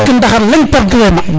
parce que ndaxar leŋ perdre e ma